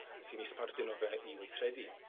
Sy'n ' sbardino fe i weithredu?